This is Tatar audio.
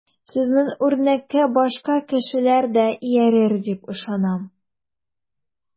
Сезнең үрнәккә башка кешеләр дә иярер дип ышанам.